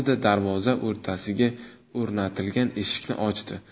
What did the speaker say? darvoza o'rtasiga o'rnatilgan eshikni ochdi